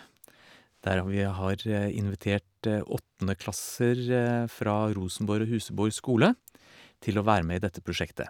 Der ha vi har invitert åttendeklasser fra Rosenborg og Huseborg skole til å være med i dette prosjektet.